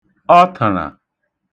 ọṫə̣̀ṙà